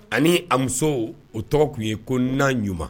Ani a muso o tɔgɔ tun ye ko na ɲuman